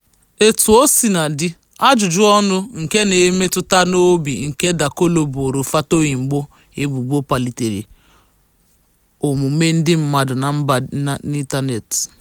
Etuosinadị, ajụju ọnụ nke na-emetụta n'obi nke Dakolo boro Fatoyinbo ebubo kpalitere omume ndị mmadụ na mba n'ịntaneetị.